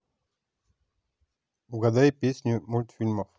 угадай песню мультфильмов